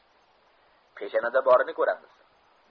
peshanada borini ko'ramiz